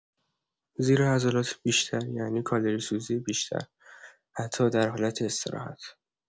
زیرا عضلات بیشتر یعنی کالری‌سوزی بیشتر، حتی در حالت استراحت.